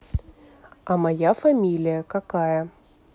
а моя фамилия какая